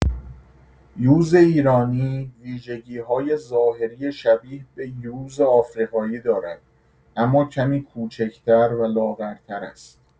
یوز ایرانی ویژگی‌های ظاهری شبیه به یوز آفریقایی دارد، اما کمی کوچک‌تر و لاغرتر است.